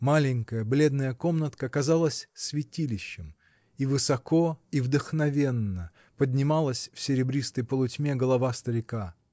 маленькая, бедная комнатка казалась святилищем, и высоко и вдохновенно поднималась в серебристой полутьме голова старика.